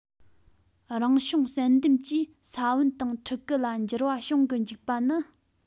རང བྱུང བསལ འདེམས ཀྱིས ས བོན དང ཕྲུ གུ ལ འགྱུར བ བྱུང གི འཇུག པ ནི